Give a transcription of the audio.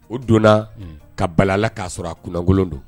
O donnaa unhun ka bal'a la k'a sɔrɔ a kunnaŋolon don